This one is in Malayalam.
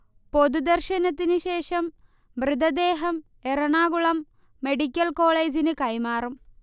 പൊതുദർശനത്തിനു ശേഷം മൃതദേഹം എറണാകുളം മെഡിക്കൽ കോളേജിന് കൈമാറും